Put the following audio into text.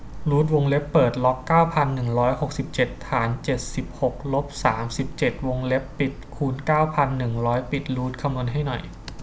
รูทวงเล็บเปิดล็อกเก้าพันหนึ่งร้อยหกสิบเจ็ดฐานเจ็ดสิบหกลบสามสิบเจ็ดวงเล็บปิดคูณเก้าหนึ่งร้อยปิดรูทคำนวณให้หน่อย